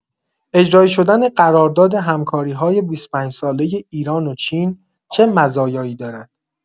اجرایی شدن قرارداد همکاری‌های ۲۵ ساله ایران و چین چه مزایایی دارد؟